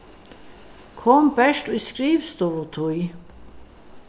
kom bert í skrivstovutíð